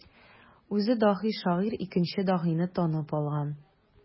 Үзе даһи шагыйрь икенче даһине танып алган.